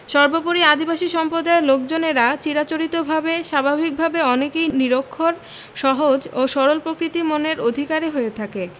সর্বপরি আদিবাসী সম্প্রদায়ের লোকজনেরা চিরাচরিতভাবে স্বাভাবিকভাবে অনেকেই নিরক্ষর সহজ ও সরল প্রকৃতির মনের অধিকারী হয়ে থাকে